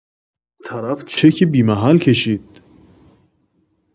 طرف چک بی‌محل کشید